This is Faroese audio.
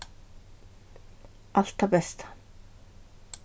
alt tað besta